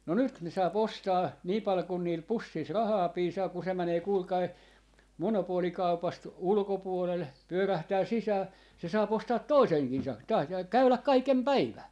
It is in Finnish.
no nyt ne saa ostaa niin paljon kuin niillä pussissa rahaa piisaa kun se menee kuulkaa monopolikaupasta ulkopuolelle pyörähtää sisään se saa ostaa toisenkin - taas ja käydä kaiken päivää